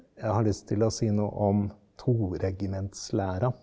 jeg har lyst til å si noe om toregimentslæra.